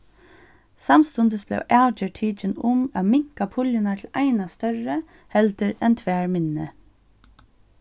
samstundis bleiv avgerð tikin um at minka puljurnar til eina størri heldur enn tvær minni